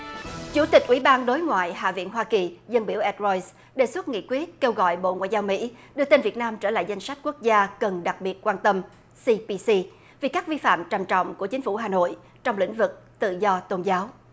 chủ tịch ủy ban đối ngoại hạ viện hoa kỳ dâng biểu ét roi đề xuất nghị quyết kêu gọi bộ ngoại giao mỹ đưa tin việt nam trở lại danh sách quốc gia cần đặc biệt quan tâm si bi si vì các vi phạm trầm trọng của chính phủ hà nội trong lĩnh vực tự do tôn giáo